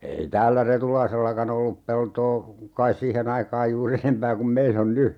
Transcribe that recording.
ei täällä Retulaisellakaan ollut peltoa kai siihen aikaan juuri enempää kuin meillä on nyt